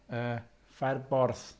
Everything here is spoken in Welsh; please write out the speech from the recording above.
Yy Ffair Borth.